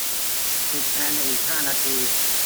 ปิดแอร์ในอีกห้านาที